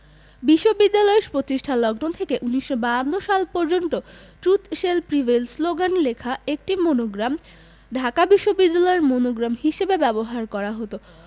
বিশ্ববিদ্যালয় প্রতিষ্ঠালগ্ন থেকে ১৯৫২ সাল পর্যন্ত ট্রুত শেল প্রিভেইল শ্লোগান লেখা একটি মনোগ্রাম ঢাকা বিশ্ববিদ্যালয়ের মনোগ্রাম হিসেবে ব্যবহার করা হতো